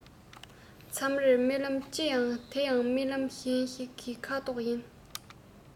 མཚམས རེར རྨི ལམ ཅི ཡང དེ ཡང རྨི ལམ གཞན ཞིག གི ཁ དོག ཡིན